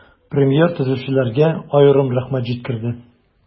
Премьер төзүчеләргә аерым рәхмәт җиткерде.